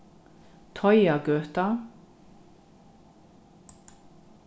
teigagøta